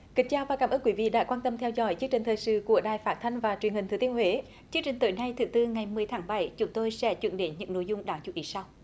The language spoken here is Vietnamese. kính chào và cảm ơn quý vị đã quan tâm theo dõi chương trình thời sự của đài phát thanh và truyền hình thừa thiên huế chương trình tối nay thứ tư ngày mười tháng bảy chúng tôi sẽ chuyển đến những nội dung đáng chú ý sau